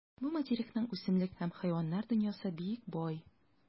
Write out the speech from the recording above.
Бу материкның үсемлек һәм хайваннар дөньясы бик бай.